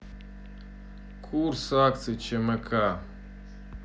курс акций чмк